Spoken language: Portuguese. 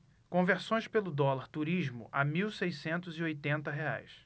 conversões pelo dólar turismo a mil seiscentos e oitenta reais